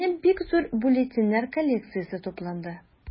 Минем бик зур бюллетеньнәр коллекциясе тупланды.